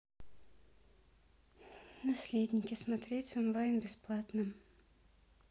наследники смотреть онлайн бесплатно